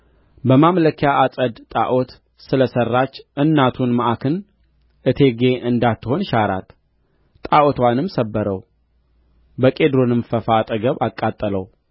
በማምለኪያ ዐፀድ ጣዖት ስለሠራች እናቱን መዓካን እቴጌ እንዳትሆን ሻራት ጣዖትዋንም ሰበረው በቄድሮንም ፈፋ አጠገብ አቃጠለው